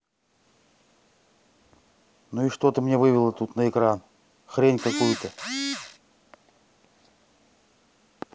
ну и что ты мне вывела тут на экран хрень какую то